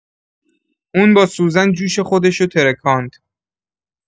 اون با سوزن جوش خودشو ترکاند